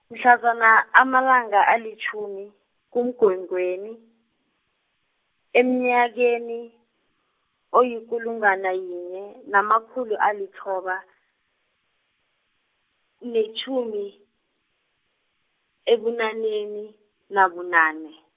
mhlazana amalanga alitjhumi, kuMgwengweni, emnyakeni, oyikulungwana yinye, namakhulu alithoba, netjhumi, ebunaneni nabunane.